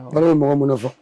Awɔ baara be mɔgɔ munafa